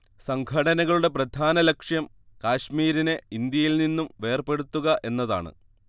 സംഘടനയുടെ പ്രധാനലക്ഷ്യം കാശ്മീരിനെ ഇന്ത്യയിൽ നിന്നും വേർപെടുത്തുക എന്നതാണ്